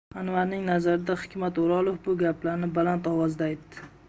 anvarning nazarida hikmat o'rolov bu gaplarni baland ovozda aytdi